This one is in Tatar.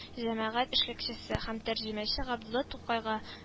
Җәмәгать эшлеклесе һәм тәрҗемәче габдулла тукайга